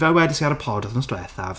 Fel wedais i ar y pod, wythnos diwethaf...